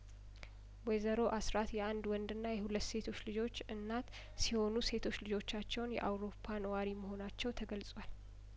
ወይዘሮ አስራት የአንድ ወንድና የሁለት ሴቶች ልጆች እናት ሲሆኑ ሴቶች ልጆቻቸውን የአውሮፓ ነዋሪ መሆናቸው ተገልጿል